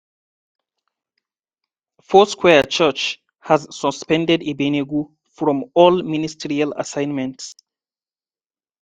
Foursquare Gospel Church has suspended Igbeneghu "from all ministerial assignments".